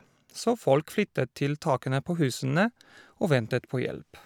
Så folk flyttet til takene på husene og ventet på hjelp.